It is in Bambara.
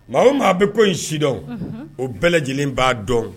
Maa o maa bɛ ko in sidɔn o bɛɛ lajɛlen b'a dɔn